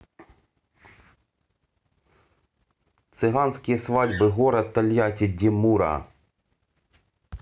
цыганские свадьбы город тольятти demura